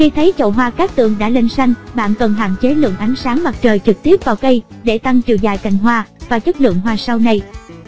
khi thấy chậu hoa cát tường đã lên xanh bạn cần hạn chế lượng ánh sáng mặt trời trực tiếp vào cây để tăng chiều dài cành hoa và chất lượng hoa sau này